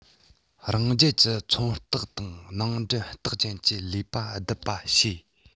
རང རྒྱལ གྱི ཚོང རྟགས དང ནང འདྲེན རྟགས ཅན གྱིས ལས པ བསྡུར པ བྱེད